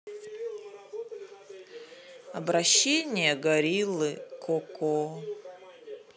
обращение гориллы коко